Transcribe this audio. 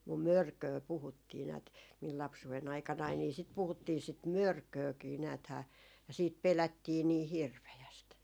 mutta mörköä puhuttiin näet minun lapsuuden aikanani niin sitä puhuttiin sitten mörköäkin näethän ja sitten pelättiin niin hirveästi